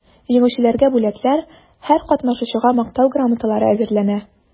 Җиңүчеләргә бүләкләр, һәр катнашучыга мактау грамоталары әзерләнә.